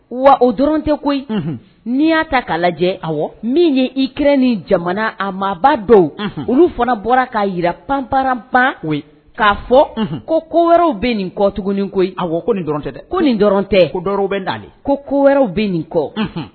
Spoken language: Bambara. Wa o dɔrɔn tɛ koyi n'i y'a ta k'a lajɛ a min ye ikr ni jamana a maaba dɔw olu fana bɔra k ka yira panpra pan ye k'a fɔ ko ko wɛrɛw bɛ nin kɔt ko a ko nin dɔrɔn tɛ dɛ ko nin dɔrɔn tɛ kow bɛ da de ko ko wɛrɛw bɛ nin kɔ